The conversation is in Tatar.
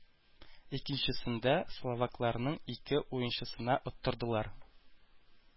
Икенчесендә словакларның ике уенчысына оттырдылар.